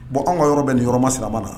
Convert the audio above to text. Bon anw ŋa yɔrɔ bɛ nin yɔrɔma sinamana